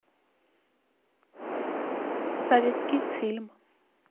советский фильм